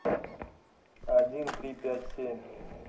один три пять семь